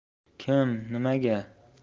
kim nimaga